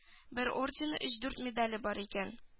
Бер ордены өч-дүрт медале бар икән